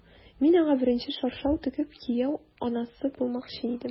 Мин аңа беренче чаршау тегеп, кияү анасы булмакчы идем...